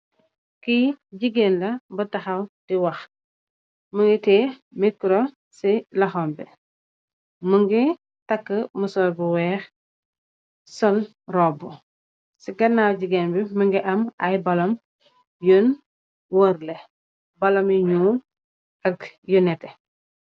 Ki gigeen la bu taxaw di wax, mugii teyeh mikro ci loxom bi, mugii takka mesor bu wèèx sol róbbu. Ci ganaw gigeen bi mugii am ay balloon yun waraleh, balloon yu ñuul ak yu netteh.